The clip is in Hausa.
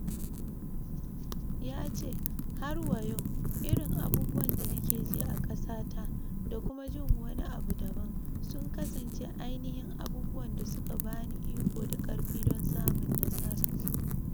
Ya ce: "Har wa yau, irin abubuwan da nake ji na ƙasa ta, da kuma jin wani abu daban, sun kasance ainihin abubuwan da suka ba ni iko da karfi don samun nasara."